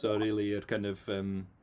So rili yr kind of yym...